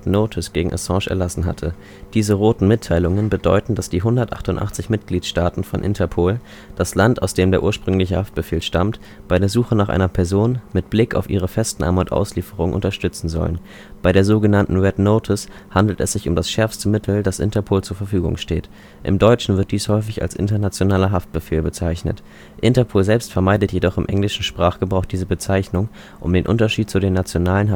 Notice “gegen Assange erlassen hatte. Diese „ roten Mitteilungen “bedeuten, dass die 188 Mitgliedsstaaten von Interpol das Land, aus dem der ursprüngliche Haftbefehl stammt, bei der Suche nach einer Person „ mit Blick auf ihre Festnahme und Auslieferung “unterstützen sollen. Bei der sogenannten „ Red Notice “handelt es sich um das schärfste Mittel, das Interpol zur Verfügung steht. Im Deutschen wird dies häufig als „ Internationaler Haftbefehl “bezeichnet. Interpol selbst vermeidet jedoch im englischen Sprachgebrauch diese Bezeichnung, um den Unterschied zu den nationalen